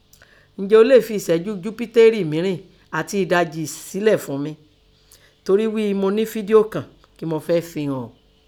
Ǹjẹ́ ọ léè fẹ ẹ̀ṣẹ́jú Júpítérì mírìn àti ẹ̀dajì selẹ̀ ún mi, toríi ghíi mọ nẹ́ fídíò kàn kín mọ gbọ́dọ̀ fi hàn ọ́.